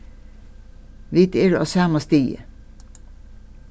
vit eru á sama stigi